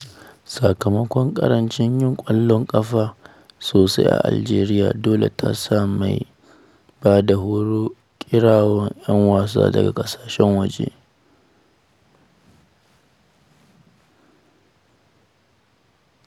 Sakamakon ƙarancin yin ƙwallon ƙafa sosai a Algeria, dole ta sa mai ba da horo kirawo 'yan wasa daga ƙasashen waje